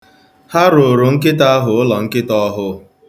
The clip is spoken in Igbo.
Ha rụụrụ nkịta ha ụlọnkịta ọhụụ.